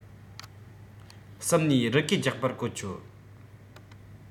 གསུམ ནས རི གས རྒྱག པར གོ ཆོད